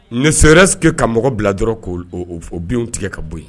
N sɛɛrɛ sigi ka mɔgɔ bila dɔrɔn k'o o bin tigɛ ka bɔ yen